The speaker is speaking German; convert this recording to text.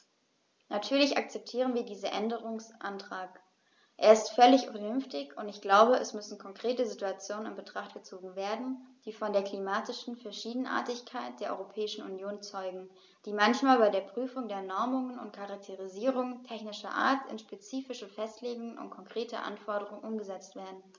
Natürlich akzeptieren wir diesen Änderungsantrag, er ist völlig vernünftig, und ich glaube, es müssen konkrete Situationen in Betracht gezogen werden, die von der klimatischen Verschiedenartigkeit der Europäischen Union zeugen, die manchmal bei der Prüfung der Normungen und Charakterisierungen technischer Art in spezifische Festlegungen und konkrete Anforderungen umgesetzt werden.